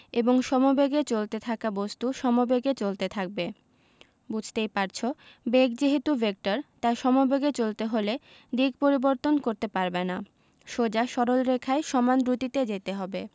এবং সমেবেগে চলতে থাকা বস্তু সমেবেগে চলতে থাকবে বুঝতেই পারছ বেগ যেহেতু ভেক্টর তাই সমবেগে চলতে হলে দিক পরিবর্তন করতে পারবে না সোজা সরল রেখায় সমান দ্রুতিতে যেতে হবে